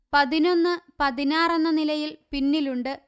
പതിനൊന്ന് പതിനാറെന്ന നിലയിൽ പിന്നിലുണ്ട്